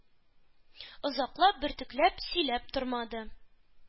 Озаклап, бөртекләп сөйләп тормады,